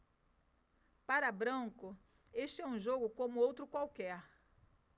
para branco este é um jogo como outro qualquer